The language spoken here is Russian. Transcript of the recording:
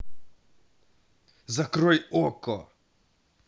закрой okko